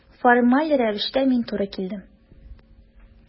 Формаль рәвештә мин туры килдем.